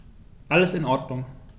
Alles in Ordnung.